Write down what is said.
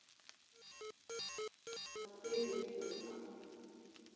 смотреть день сурка